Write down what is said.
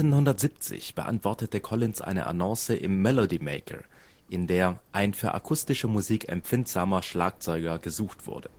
1970 beantwortete Collins eine Annonce im Melody Maker, in der „ …ein für akustische Musik empfindsamer Schlagzeuger “gesucht wurde